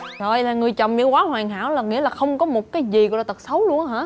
rồi là người chồng quá hoàn hảo là nghĩa là không có một cái gì gọi là tật xấu luôn hả